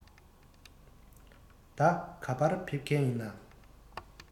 ད ག པར ཕེབས མཁན ཡིན ན